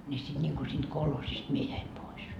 niin sitten niin kuin siitä kolhoosista minä jäin pois